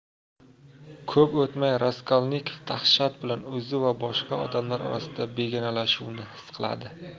ko'p o'tmay raskolnikov dahshat bilan o'zi va boshqa odamlar orasida begonalashuvni his qiladi